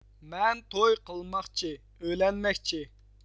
مەن توي قىلماقچى ئۆيلەنمەكچى